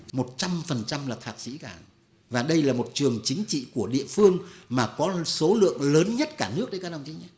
một trăm phần trăm là thạc sĩ cả và đây là một trường chính trị của địa phương mà có số lượng lớn nhất cả nước đấy các đồng chí nhá